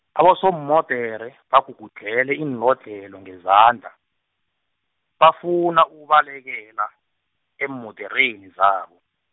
abosomodere bagugudlhele iinlodlhelo ngezandla, bafuna ukubalekela, eemodereni zabo.